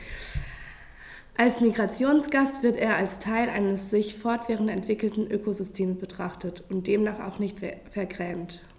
Als Migrationsgast wird er als Teil eines sich fortwährend entwickelnden Ökosystems betrachtet und demnach auch nicht vergrämt.